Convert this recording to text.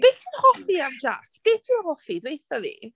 Be ti'n hoffi am Jax? Be ti'n hoffi dweud wrtho fi?